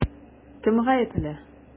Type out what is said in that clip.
Кем гаепле?